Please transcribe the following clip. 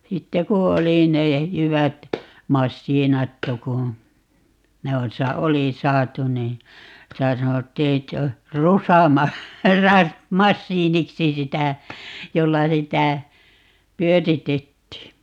sitten kun oli ne jyvät masiinattu kun ne on - oli saatu niin sitä sanottiin että on -- rusamasiiniksi sitä jolla sitä pyöritettiin